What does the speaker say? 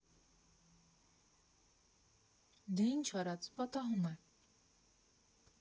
Դե ի՞նչ արած՝ պատահում է։